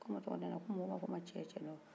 k'aw ma tɔgɔ da ne la ko mɔgɔw b'a fɔ ne ma cɛ cɛnin o